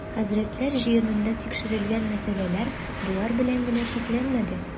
Хәзрәтләр җыенында тикшерел-гән мәсьәләләр болар белән генә чикләнмәде.